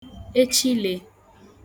echile